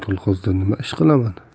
kolxozda nima ish qilaman